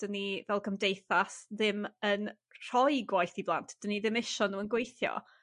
'Dyn ni fel cymdeithas ddim yn rhoi gwaith i blant 'dyn ni ddim isio nw yn gweithio.